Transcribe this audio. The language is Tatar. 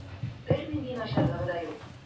Бернинди начарлыгы да юк.